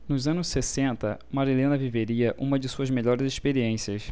nos anos sessenta marilena viveria uma de suas melhores experiências